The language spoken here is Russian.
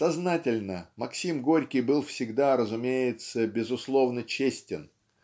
Сознательно Максим Горький был всегда, разумеется, безусловно честен